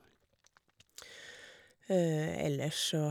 Ellers så...